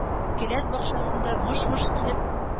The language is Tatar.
Келәт баскычында мыш-мыш килеп